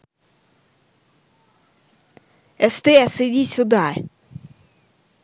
стс иди сюда